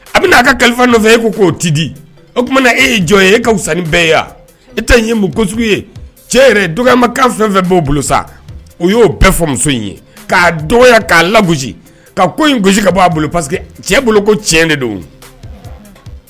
A bɛ'a ka kalifa nɔfɛ e ko k'o tidi o tumana e' jɔ ye e k kasan bɛɛ ye yan e ta ye mun gosis ye cɛ dɔgɔma kan fɛn fɛn b'o bolo sa o y'o bɛɛ fɔ muso in ye k'a dɔgɔya k'a la ka ko in gosi ka bɔ'a bolo pa que cɛ bolo ko tiɲɛ de don